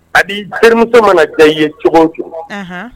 A terimuso mana diya i ye cogo